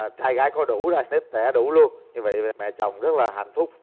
trai gái có đủ là nếp tẻ đủ luôn như vậy mẹ chồng rất là hạnh phúc